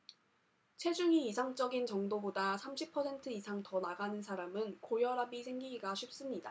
체중이 이상적인 정도보다 삼십 퍼센트 이상 더 나가는 사람은 고혈압이 생기기가 쉽습니다